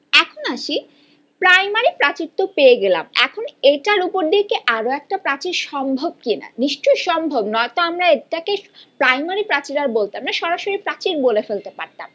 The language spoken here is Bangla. এখন আসি প্রাইমারী প্রাচীর তো পেয়ে গেলাম এখন এটার ওপর দিয়ে আরো একটা প্রাচীর সম্ভব কিনা নিশ্চয়ই সম্ভব নয়তো আমরা এটাকে প্রাইমারি প্রাচীর আর বলতাম না সরাসরি প্রাচীর বলে ফেলতে পারতাম